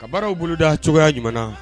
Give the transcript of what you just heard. Ka baaraw boloda cogoya jamana